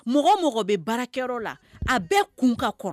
Mɔgɔ mɔgɔ bɛ baarakɛyɔrɔ la a bɛɛ kun ka kɔrɔ